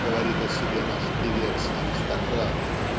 говорит о себе наш певец-аристократ.